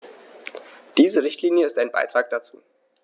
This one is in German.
Diese Richtlinie ist ein Beitrag dazu.